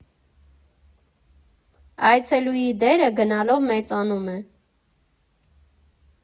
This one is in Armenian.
Այցելուի դերը գնալով մեծանում է։